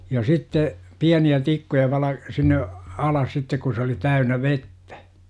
ja sitten pieniä tikkuja - sinne alas sitten kun se oli täynnä vettä